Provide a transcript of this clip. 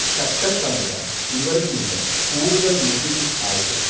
ശക്തന്‍ തമ്പുരാന്‍ ഇവരില്‍ നിന്ന് കൂടുതല്‍ നികുതി ആവശ്യപ്പെട്ടു